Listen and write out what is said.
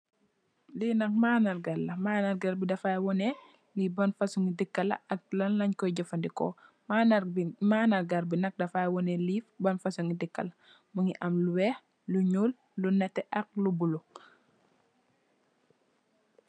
Lii nak mandarr gah la, mandarr gah bii dafai wohneh lii ban fasoni dehkah la, ak lan lankoi jeufandehkor, mandarr bii, maandarr gah bii nak dafai wohneh lii ban fasoni dehkah mungy ameh lu wekh, lu njull, lu nehteh ak lu bleu.